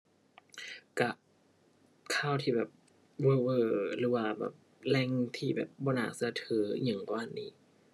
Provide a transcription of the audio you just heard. ก็ข่าวที่แบบเวอร์เวอร์ หรือว่าแบบแหล่งที่แบบบ่น่าก็ถืออิหยังประมาณนี้